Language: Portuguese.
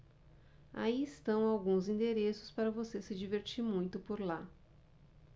aí estão alguns endereços para você se divertir muito por lá